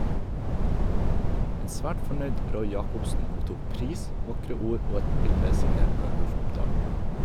En svært fornøyd Roy Jacobsen mottok pris, vakre ord og et bilde signert Ørnulf Opdahl.